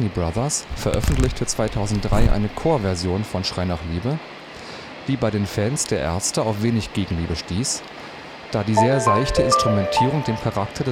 Brothers veröffentlichte 2003 eine Chorversion von „ Schrei nach Liebe “, die bei den Fans der Ärzte auf wenig Gegenliebe stieß, da die sehr seichte Instrumentierung dem Charakter